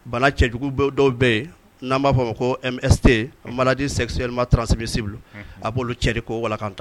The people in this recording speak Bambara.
Bana cɛjugu dɔw bɛ yen n'aan b'a f fɔ ma ko ɛsse balaji sɛ ma transisin a b' cɛri ko walasa tan